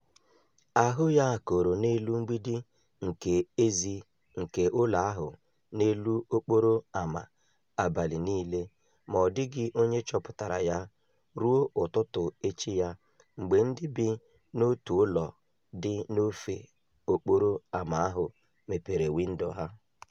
Ahụ ya kooro n'elu mgbidi nke èzí nke ụlọ ahụ n'elu okporo ámá abalị niile, ma ọ dịghị onye chọpụtara ya ruo ụtụtụ echi ya mgbe ndị bi n'otu ụlọ dị n'ofe okporo ámá ahụ mepere windo ha.